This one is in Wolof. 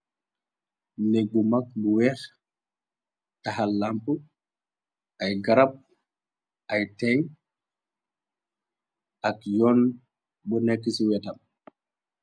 Ñéeg bu mag bu weeh, tahal lamp, ay garab, ay teñ ak yoon bu nekk ci wetam.